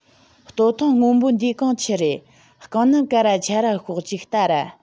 སྟོད ཐུང སྔོན པོ འདིའི གོང ཆི རེད རྐང སྣམ གན ན ར ཁྱེར ར ཤོག ཅིག ལྟ ར